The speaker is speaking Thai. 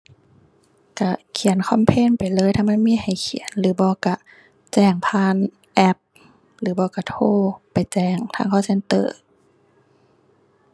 ก็เขียนคอมเพลนไปเลยถ้ามันมีให้เขียน หรือบ่ก็แจ้งผ่านแอป หรือบ่ก็โทรไปแจ้งทาง call center